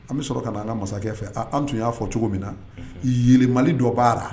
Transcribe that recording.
An bɛ sɔrɔ ka' an ka masakɛ fɛ an tun y'a fɔ cogo min na yema dɔ b'a la